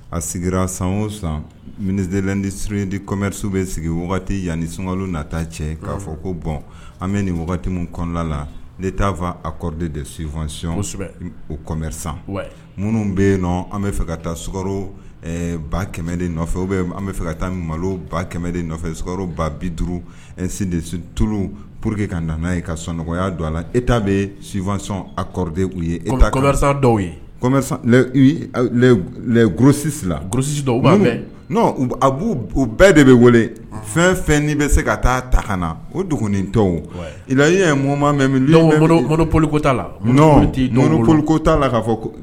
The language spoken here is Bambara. A sigira san san mini ni suruydi comɛrisiw bɛ sigi wagati yan ni sunkalo nata cɛ k'a fɔ ko bɔn an bɛ nin wagati minnu kɔnɔnala la ne t'a fɔ aɔride de su o comɛ minnu bɛ yen nɔn an bɛ fɛ ka taa skaro ba kɛmɛden nɔfɛ an bɛ fɛ ka taa malo ba kɛmɛ de nɔfɛ sro ba bi duuru sin de tulu pour que ka nan n'a ye ka sɔnɔgɔya don a la e t' bɛ sufasɔn a kɔrɔɔride u ye e dɔw ye gsisisi dɔw a u bɛɛ de bɛ wele fɛn fɛn'i bɛ se ka taa ta ka na o dogotɔn e mun mɛnolikota laolikoa la k ka fɔ